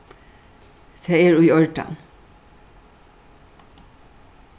tað er í ordan